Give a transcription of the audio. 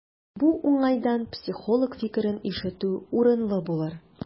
Бу уңайдан психолог фикерен ишетү урынлы булыр.